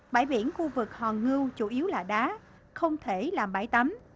bãi biển khu vực hòn ngưu chủ yếu là đá không thể làm bãi tắm